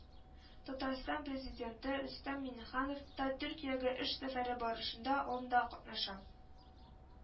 Татарстан Президенты Рөстәм Миңнеханов та Төркиягә эш сәфәре барышында анда катнаша